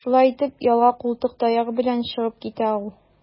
Шулай итеп, ялга култык таягы белән чыгып китә ул.